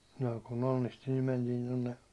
no kun onnisti niin mentiin tuonne